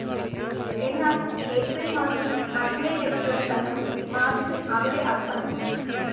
എന്നാൽ, ഏപ്രിൽ മാസം മഥുരയിലെത്തിയ സംഘം മാർച്ച് അവിടെ അവസാനിപ്പിച്ചു